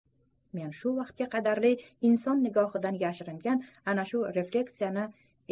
men shu vaqtga qadar inson nigohidan yashiringan ana shu refleksiyani